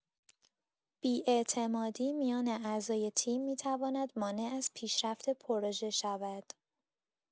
بی‌اعتمادی میان اعضای تیم می‌تواند مانع از پیشرفت پروژه شود.